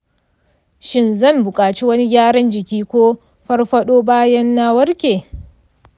shin zan buƙaci wani gyaran jiki ko farfaɗo bayan na warke?